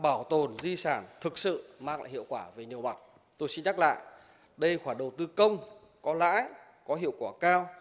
bảo tồn di sản thực sự mang lại hiệu quả về nhiều mặt tôi xin nhắc lại đây khoản đầu tư công có lãi có hiệu quả cao